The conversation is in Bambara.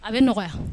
A bɛ nɔgɔya